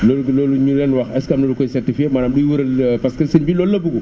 loolu du loolu ñu leen wax est ce que am na lu koy certifié maanaam luy wéral parce que sëñ bi loolu la bëgg